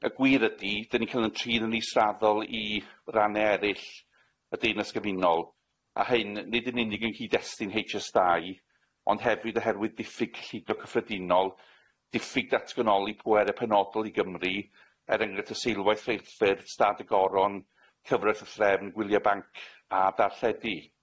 Y gwir ydi, 'dyn ni'n ca'l 'yn trin yn israddol i ranne erill y Deyrnas Gyfunol, a hyn nid yn unig yng nghyd-destun Haitch Ess Dau, ond hefyd oherwydd diffyg cyllido cyffredinol, diffyg datganoli pwerau penodol i Gymru, er enghraifft y seilwaith rheilffyrdd, Stad y Goron, cyfraith a threfn, gwyliau banc, a darlledu.